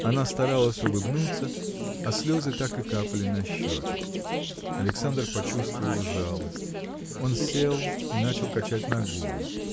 Она старалась улыбнуться, а слезы так и капали на щеки. Александр почувствовал жалость. Он сел и начал качать ногой.